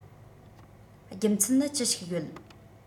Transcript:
རྒྱུ མཚན ནི ཅི ཞིག ཡོད